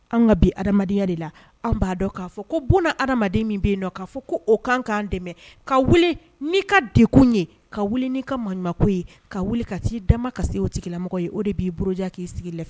An ka bi adamadenyaya de la an b'a dɔn k'a fɔ ko bon hadama min bɛ yen'a fɔ ko o kan k'an dɛmɛ ka n'i ka dekun ye ka wuli n'i ka ma ye ka wuli ka t'i dama ka se o tigilamɔgɔ ye o de b'i boloja k'i sigi fɛ